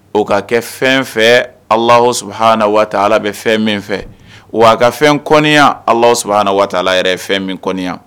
O ka kɛ fɛn fɛ Alahu sabahana wataala bɛ fɛn min fɛ, wa a ka fɛn kɔniya Alahu sabahana wataala yɛrɛ ye fɛn min kɔniya